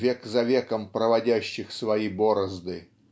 век за веком проводящих свои борозды